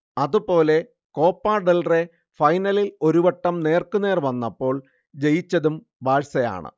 അതുപോലെ Copa del Rey ഫൈനലിൽ ഒരു വട്ടം നേർക്കുനേർ വന്നപ്പോൾ ജയിച്ചതും ബാഴ്സയാണ്